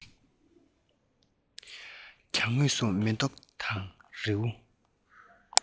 གྱང ངོས སུ མེ ཏོག དང རི བོ